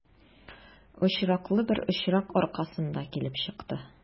Очраклы бер очрак аркасында килеп чыкты.